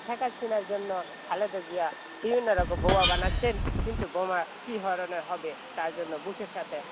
শেখ হাসিনার জন্য খালেদা জিয়া বিভিন্ন রকম বোমা বানাচ্ছে কিন্তু বোমা কি ধরনের হবে সেটার জন্য বুশের সাথে